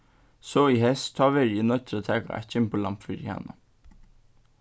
so í heyst tá verði eg noyddur at taka eitt gimburlamb fyri hana